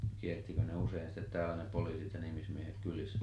kiersikö ne usein sitten täällä ne poliisit ja nimismiehet kylissä